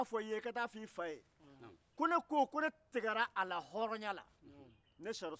ni ye min kɛ i nimɔgɔmusokɔrɔbala i fasola ni i taara i cɛlala i bɛ taa sɔrɔ i ɲɛ ye dɛ